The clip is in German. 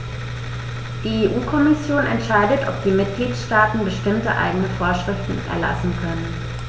Die EU-Kommission entscheidet, ob die Mitgliedstaaten bestimmte eigene Vorschriften erlassen können.